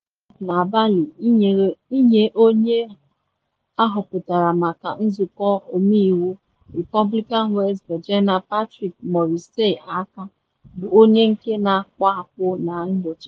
Trump na-agbali ịnyere onye ahọpụtara maka Nzụkọ Ọmeiwu Repọblikan West Virginia Patrick Morrisey aka, bụ onye nke na-akpụ akpụ na nyocha.